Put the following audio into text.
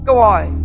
câu hỏi